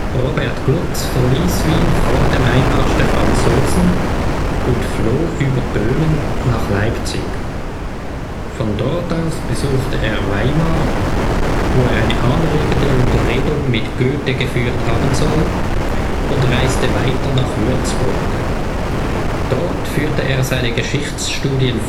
Robert Glutz verliess Wien vor dem Einmarsch der Franzosen und floh über Böhmen nach Leipzig. Von dort aus besuchte er Weimar, wo er eine anregende Unterredung mit Goethe geführt haben soll, und reiste weiter nach Würzburg. Dort führte er seine Geschichtsstudien